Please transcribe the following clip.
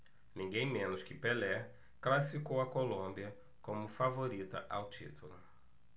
ninguém menos que pelé classificou a colômbia como favorita ao título